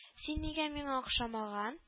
Син нигә миңа охшамаган